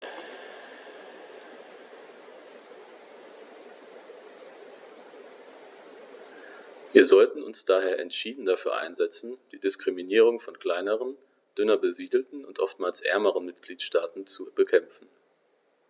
Wir sollten uns daher entschieden dafür einsetzen, die Diskriminierung von kleineren, dünner besiedelten und oftmals ärmeren Mitgliedstaaten zu bekämpfen.